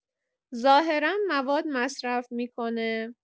ظاهرا مواد مصرف می‌کنه.